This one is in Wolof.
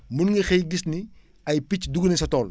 mun nga xëy gis ni ay picc dugg nañ sa tool